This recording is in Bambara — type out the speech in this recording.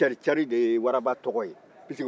o cari-cari de ye waraba tɔgɔ ye